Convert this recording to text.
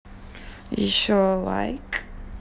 еще like